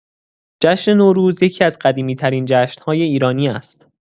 جشن نوروز یکی‌از قدیمی‌ترین جشن‌های ایرانی است.